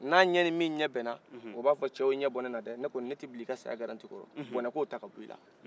n'a ɲɛ ni min ɲɛ bɛna o b'a fo cɛwo i ɲɛ bɔ nena dɛ ne kɔni ne tɛ bila i ka saya garantie kɔrɔ bɔnen k'o ta ka b'ila